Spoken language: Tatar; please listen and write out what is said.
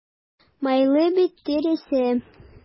Майлы бит тиресе.